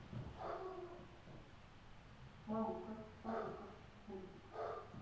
мамука папука мультик